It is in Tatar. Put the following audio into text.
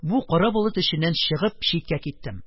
Бу кара болыт эченнән чыгып, читкә киттем.